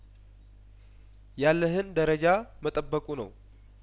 ያለህን ደረጃ መጠበቁ ነው